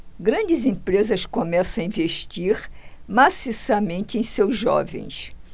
grandes empresas começam a investir maciçamente em seus jovens